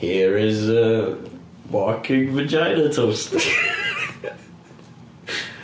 Here is a walking vagina toaster